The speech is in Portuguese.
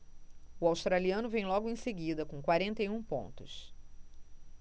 o australiano vem logo em seguida com quarenta e um pontos